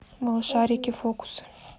малышарики фокусы